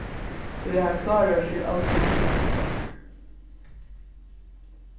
tí hann klárar seg als ikki einsamallur